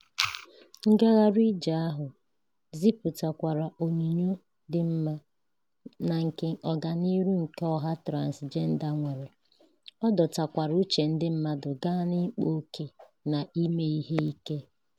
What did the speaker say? Ngagharị ije ahụ gipụtakwara onyinyo dị mma na nke ọganihu nke ọha transịjenda nwere; ọ dọtakwara uche ndị mmadụ gaa n'ịkpa oke na ime ihe ike.